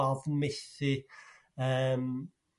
ofn methu yrm.